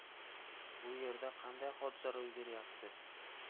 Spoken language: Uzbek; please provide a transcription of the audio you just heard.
bu yerda qanday hodisa ro'y berayapti